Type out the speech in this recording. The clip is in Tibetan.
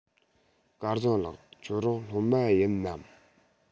སྐལ བཟང ལགས ཁྱེད རང སློབ མ ཡིན ནམ